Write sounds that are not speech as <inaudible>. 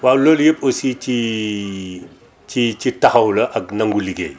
waaw loolu yëpp aussi ci <hesitation> ci ci taxaw la ak nangu liggéey